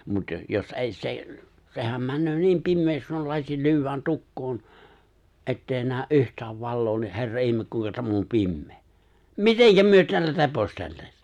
mutta - jos ei se sehän menee niin pimeäksi kun lasi lyödään tukkoon että ei näe yhtään valoa niin herra ihme kuinka tämä on pimeä miten me täällä reposteltaisiin